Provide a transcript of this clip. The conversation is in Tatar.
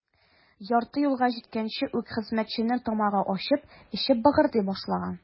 Ярты юлга җиткәнче үк хезмәтченең тамагы ачып, эче быгырдый башлаган.